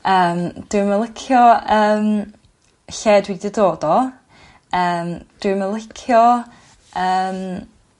yym dwi'm yn licio 'yn lle dwi 'di dod o. Yym dwi'm yn licio yym